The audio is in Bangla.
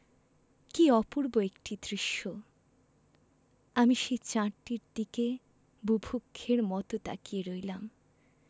কী অপূর্ব একটি দৃশ্য আমি সেই চাঁদটির দিকে বুভুক্ষের মতো তাকিয়ে রইলাম